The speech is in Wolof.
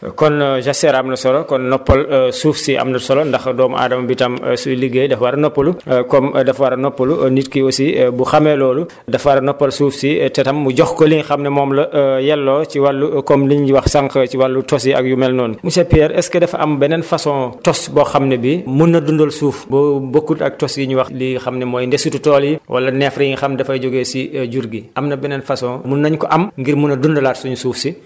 kon jaachère am na solo kon noppal suuf si am na solo ndax doomu aadama bi tam suy liggéey dafa war a noppalu comme dafa war a noppalu nit ki aussi bu xamee loolu dafa war a noppal suuf si te tam mu jox ko li nga xam ne moom la yelloo ci wàllu comme li ñu wax sànq si wàllu tos yi ak yu mel noonu monsiaur Pierre est ce que dafa am beneen façon tos boo xam ne bi mun na dundal suuf bu bokkut ak tos yi ñuy wax li nga xam ne mooy ndesitu tool yi wala neefere yi nga xam dafay jógee si jur gi am na beneen façon mun nañu ko am ngir mun a dundalaat suñu suuf si